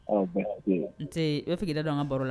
N e bɛ tigɛ dɛ an ka baro la